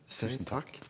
tusen takk.